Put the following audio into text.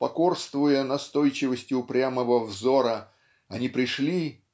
покорствуя настойчивости упрямого взора они пришли